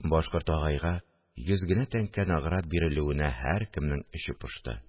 Башкорт агайга йөз генә тәңкә награт бирелүенә һәркемнең эче пошты